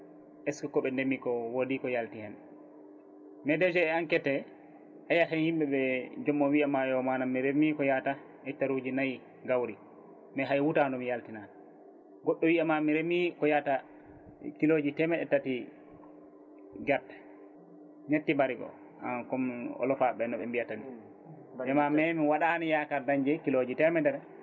est ce que kooɓe ndeemi ko woodi ko yalti hen mais déjà enquête he e yiiyat e yimɓeɓe jomum wiyatma manan mi reemi ko yaata hectares uji nayyi gawri mais hay wutandu mi yaltinani goɗɗo wiima mi reemi ko yaata kilos temedde tati guerte ñetti : wolof barigots comme olofaɓe mbiyata ni * mi waɗani yakar dañde kilos temedere